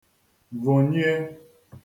vụ̀nyie